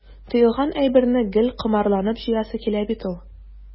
Тыелган әйберне гел комарланып җыясы килә бит ул.